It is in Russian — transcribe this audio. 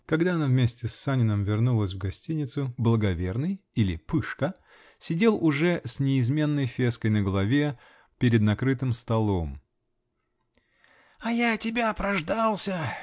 Когда она вместе с Саниным вернулась в гостиницу -- "благоверный", или "пышка" сидел уже, с неизменной феской на голове, перед накрытым столом. -- А я тебя прождался!